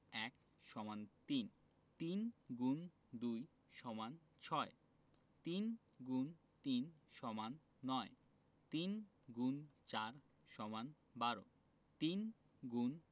১ = ৩ ৩ X ২ = ৬ ৩ × ৩ = ৯ ৩ X ৪ = ১২ ৩ X